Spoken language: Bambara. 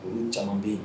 Olu caman bɛ yen